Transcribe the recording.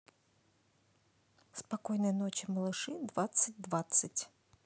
спокойной ночи малыши двадцать двадцать